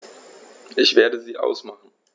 Ich werde sie ausmachen.